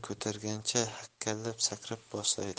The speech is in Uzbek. ko'targancha hakkalab sakray boshladi